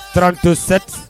Tto se